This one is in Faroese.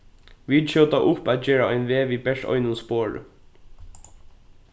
vit skjóta upp at gera ein veg við bert einum spori